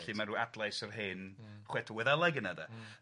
Felly mae ryw adlais o'r hen... Hmm. ...chwedl Wyddeleg yna de. Hmm.